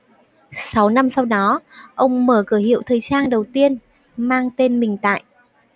sáu năm sau đó ông mở cửa hiệu thời trang đầu tiên mang tên mình tại